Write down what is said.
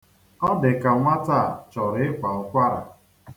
Ọ dị ka nwata a chọrọ ịkwa ụkwara.